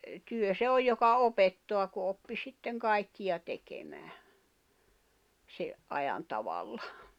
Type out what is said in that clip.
työ se on joka opettaa kun oppi sitten kaikkea tekemään sen ajan tavalla